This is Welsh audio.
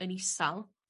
yn isal